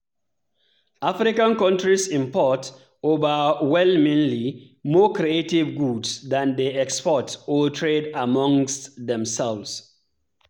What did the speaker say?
African countries import overwhelmingly more creative goods than they export or trade amongst themselves.